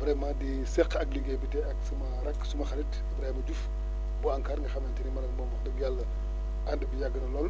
vraiment di seq ak liggéey bi tey ak suma rakk suma xarit Ibrahima Diouf bu ANCAR nga xamante ni moom wax dëgg yàlla ànd bi yàgg na lool